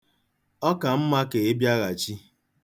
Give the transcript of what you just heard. Ọ ka mma ka ị bịaghachi